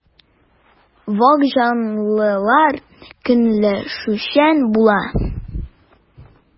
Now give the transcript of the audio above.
Вак җанлылар көнләшүчән була.